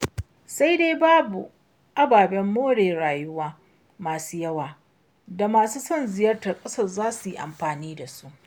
Sai dai babu ababen more rayuwa masu yawa da masu son ziyartar ƙasar za su yi amfani da su.